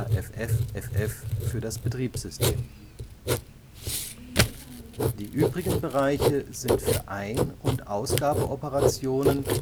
$FFFF für das Betriebssystem). Die übrigen Bereiche sind für Ein - und Ausgabeoperationen